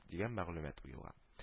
Дигән мәгълүмат уелган